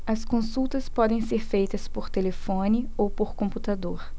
as consultas podem ser feitas por telefone ou por computador